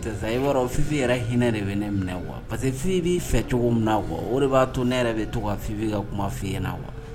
tɛ sa b'a dɔn fifin i yɛrɛ hinɛinɛ de bɛ ne minɛ wa pa que fi b'i fɛ cogo mina na wa o de b'a to ne yɛrɛ bɛ tofin ka kuma fi i ɲɛna na wa